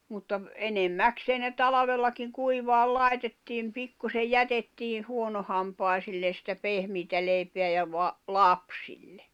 mutta enimmäkseen ne talvellakin kuivamaan laitettiin pikkuisen jätettiin huonohampaisille sitä pehmeää leipää ja - lapsille